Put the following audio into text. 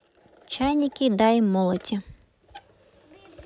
чайники дай молоти